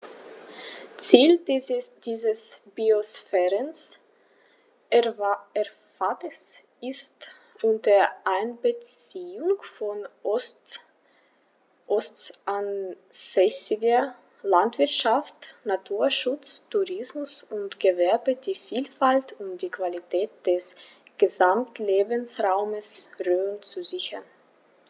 Ziel dieses Biosphärenreservates ist, unter Einbeziehung von ortsansässiger Landwirtschaft, Naturschutz, Tourismus und Gewerbe die Vielfalt und die Qualität des Gesamtlebensraumes Rhön zu sichern.